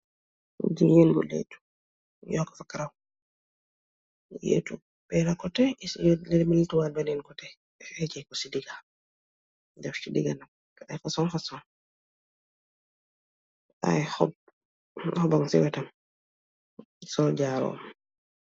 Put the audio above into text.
Jigeen bu laatu Yuka fa karaw laatu benna koteh laatu watt beeneh koteh deff c dega ay fosoon fosoon ay hoop munn c c wetam sol ay jaaru.